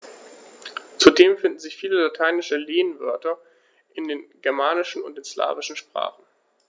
Zudem finden sich viele lateinische Lehnwörter in den germanischen und den slawischen Sprachen.